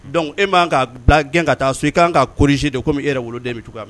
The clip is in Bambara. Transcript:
Dɔnkuc e' ka gɛn ka taa so i k kan kaɔrisi de don komi e yɛrɛ wolo de bɛ cogoya